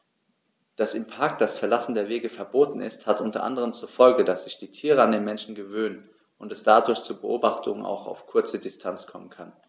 Dass im Park das Verlassen der Wege verboten ist, hat unter anderem zur Folge, dass sich die Tiere an die Menschen gewöhnen und es dadurch zu Beobachtungen auch auf kurze Distanz kommen kann.